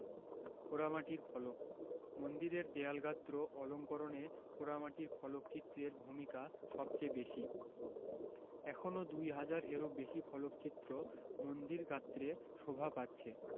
পোড়ামাটির ফলকঃ মন্দিরের দেয়ালগাত্র অলঙ্করণে পোড়ামাটির ফলকচিত্রের ভূমিকা সবচেয়ে বেশি এখনও ২হাজার এরও বেশি ফলকচিত্র মন্দির গাত্রে শোভা পাচ্ছে